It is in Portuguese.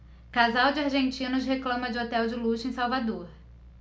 casal de argentinos reclama de hotel de luxo em salvador